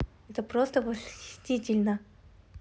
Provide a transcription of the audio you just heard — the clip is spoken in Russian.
это просто восхитительно